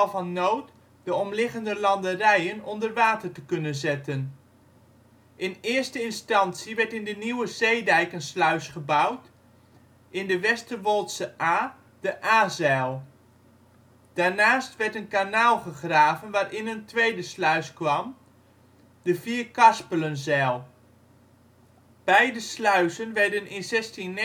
van nood de omliggende landerijen onder water te kunnen zetten. In eerste instantie werd in de nieuwe zeedijk een sluis gebouwd, in de Westerwoldsche Aa: de Aa-zijl. Daarnaast werd een kanaal gegraven waarin een tweede sluis kwam, de Vierkarspelenzijl. Beide sluizen werden in